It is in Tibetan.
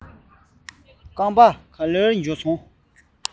རྐང པ ག ལེར འཇོག པ